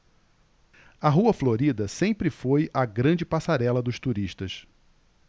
a rua florida sempre foi a grande passarela dos turistas